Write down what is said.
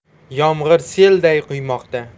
yomg'ir selday quymoqda